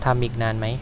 ทำอีกนานไหม